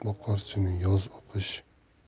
boqar seni yoz u qish